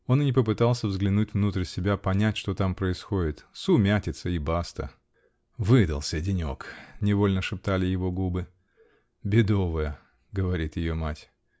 Он и не попытался взглянуть внутрь себя, понять, что там происходит: сумятица -- и баста! "Выдался денек! -- невольно шептали его губы. -- Бедовая. говорит ее мать.